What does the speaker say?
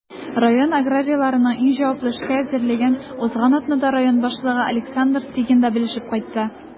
Район аграрийларының иң җаваплы эшкә әзерлеген узган атнада район башлыгы Александр Тыгин да белешеп кайтты.